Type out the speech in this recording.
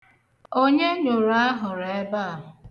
Onye nyụrụ ahụrụ ebe a?